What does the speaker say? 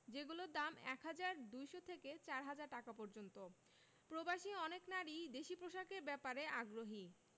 যেগুলোর দাম ১ হাজার ২০০ থেকে ৪ হাজার টাকা পর্যন্ত প্রবাসী অনেক নারীই দেশি পোশাকের ব্যাপারে আগ্রহী